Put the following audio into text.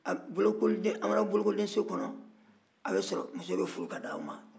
aw mana bɔ bolokoliso kɔnɔ muso bɛ furu k'a di aw ma